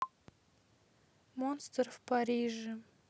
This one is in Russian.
монстр в париже